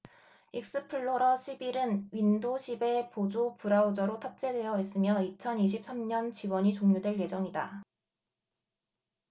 익스플로러 십 일 은 윈도 십 에 보조 브라우저로 탑재되어 있으며 이천 이십 삼 년 지원이 종료될 예정이다